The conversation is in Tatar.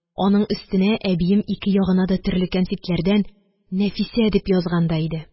Аның өстенә әбием ике ягына да төрле кәнфитләрдән «Нәфисә» дип язган да иде.